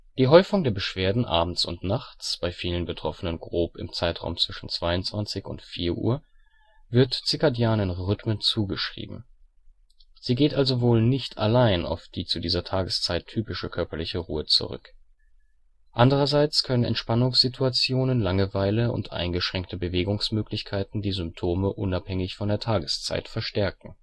Die Häufung der Beschwerden abends und nachts (bei vielen Betroffenen grob im Zeitraum zwischen 22:00 und 4:00 Uhr) wird zirkadianen Rhythmen zugeschrieben. Sie geht also wohl nicht allein auf die zu dieser Tageszeit typische körperliche Ruhe zurück. Andererseits können Entspannungssituationen, Langeweile und eingeschränkte Bewegungsmöglichkeiten die Symptome unabhängig von der Tageszeit verstärken